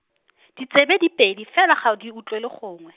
ditsebe di pedi fela ga di utlwele gongwe.